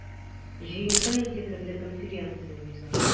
Җыенда ике төрле конференция уза.